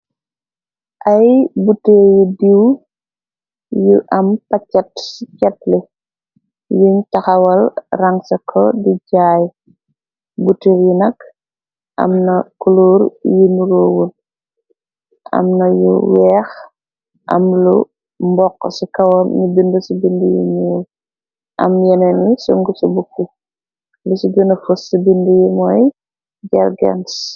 Ay buuter yi diiw yu am paccat ci ketli yuñ taxawal rangsako di jaay buter yi nak am na kuloor yinu roowun am na yu weex am lu mbokx ci kawam ni bind ci bind yu ñuul am yenen yi sung ci bukki lu ci gëna fos ci bindi yi mooy jargans.